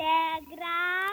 Nsedu